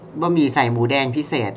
บะหมี่ใส่หมูแดงพิเศษ